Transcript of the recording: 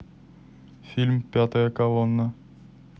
фильм пятая колонна